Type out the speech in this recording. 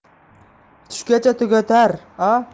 tushgacha tugatar a